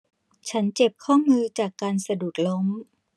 ฉันเจ็บข้อมือจากการสะดุดล้ม